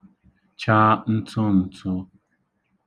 chā ntụn̄tụ̄